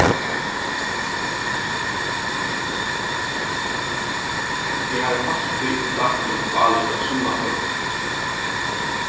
eg havi altíð lagt mítt álit á sunna fornuft